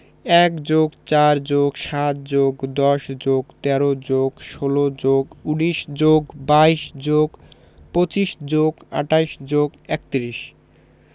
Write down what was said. ১+৪+৭+১০+১৩+১৬+১৯+২২+২৫+২৮+৩১